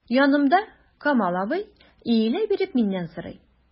Янымда— Камал абый, иелә биреп миннән сорый.